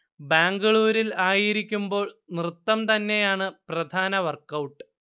ബാംഗ്ലൂരിൽ ആയിരിക്കുമ്പോൾ നൃത്തം തന്നെയാണ് പ്രധാന വർക്ക് ഔട്ട്